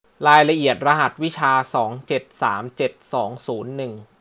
รายละเอียดรหัสวิชาสองเจ็ดสามเจ็ดสองศูนย์หนึ่ง